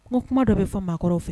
N ko kuma dɔ bɛ fɔ maakɔrɔw fɛ